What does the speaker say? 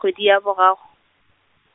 kgwedi ya boraro.